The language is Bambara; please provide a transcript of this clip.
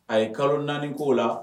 A ye kalo naani ko la